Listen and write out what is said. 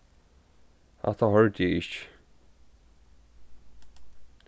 hatta hoyrdi eg ikki